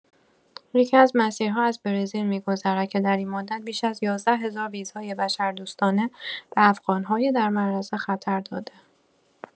یکی‌از مسیرها از برزیل می‌گذرد که در این مدت، بیش از ۱۱ هزار ویزای بشردوستانه به افغان‌های در معرض خطر داده.